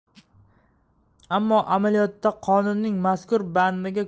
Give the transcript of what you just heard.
ammo amaliyotda qonunning mazkur bandiga